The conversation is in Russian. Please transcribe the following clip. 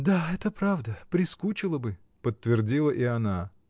— Да, это правда: прискучило бы! — подтвердила и она.